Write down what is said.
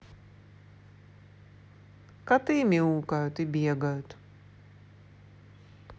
коты мяукают и бегают